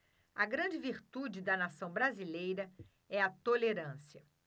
a grande virtude da nação brasileira é a tolerância